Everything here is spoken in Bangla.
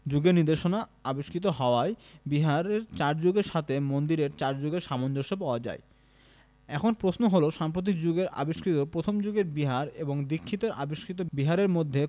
যুগের নিদর্শনা আবিষ্কৃত হওয়ায় বিহারের ৪ যুগের সাথে মন্দিরের ৪ যুগের সামঞ্জস্য পাওয়া যায় এখন প্রশ্ন হলো সাম্প্রতিক আবিষ্কৃত প্রথম যুগের বিহার এবং দীক্ষিতের আবিষ্কৃত বিহারের মধ্যে